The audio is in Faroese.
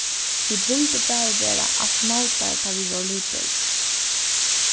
vit vildu bæði verða astronautar tá ið vit vóru lítil